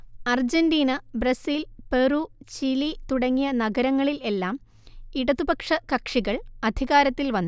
Argentina Brazil Peru Chile തുടങ്ങിയ നഗരങ്ങളിൽ എല്ലാം ഇടതുപക്ഷ കക്ഷികൾ അധികാരത്തിൽ വന്നു